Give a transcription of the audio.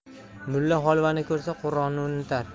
mulla holvani ko'rsa qur'onni unutar